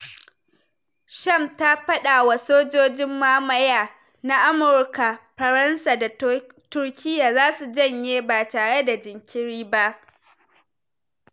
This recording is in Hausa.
Sham ta fada wa ‘sojojin mamaya’ na Amurka, Faransa da Turkiya zasu janye ba tare da jinkiri ba